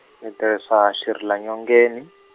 ni tirhisa xirilo nyongeni.